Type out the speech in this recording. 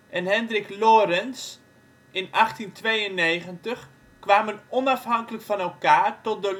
en Hendrik Lorentz in 1892 kwamen onafhankelijk van elkaar tot de